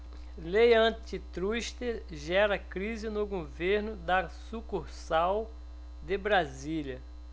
lei antitruste gera crise no governo da sucursal de brasília